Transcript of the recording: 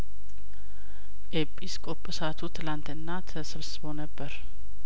ኤጲስቆጶስቱ ትላንትና ተሰብስበው ነበር